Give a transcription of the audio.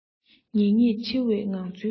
ངེས ངེས འཆི བའི ངང ཚུལ མཐོང ཡང